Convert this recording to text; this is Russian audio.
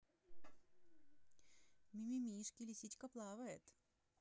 мимимишки лисичка плавает